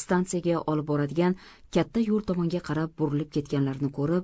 stansiyaga olib boradigan katta yo'l tomonga qarab burilib ketganlarini ko'rib